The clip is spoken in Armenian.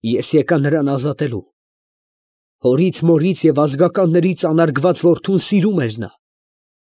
Ես եկա նրան ազատելու։ Հորից, մորից և ազգականներից անարգված որդուն սիրում էր նա։